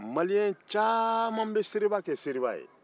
maliyɛn caman bɛ seereba kɛ seriba ye